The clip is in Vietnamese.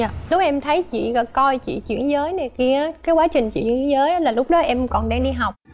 dạ lúc em thấy chị đã coi chị chuyển giới này kia cái quá trình chuyển giới là lúc đó em còn đang đi học